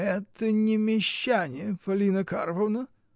— Это не мещане, Полина Карповна!